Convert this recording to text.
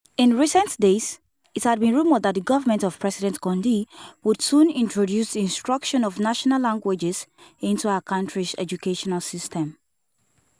In recent days, it had been rumored that the government of President Condé would soon introduce the instruction of national languages into our country's educational system.